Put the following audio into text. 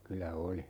kyllä oli